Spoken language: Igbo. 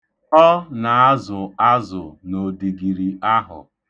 Ọ na-azụ azụ n'odigiri ahụ.